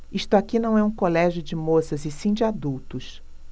isto aqui não é um colégio de moças e sim de adultos